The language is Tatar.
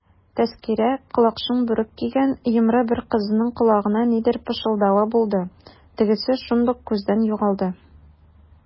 Тәзкирә колакчын бүрек кигән йомры бер кызның колагына нидер пышылдавы булды, тегесе шундук күздән югалды.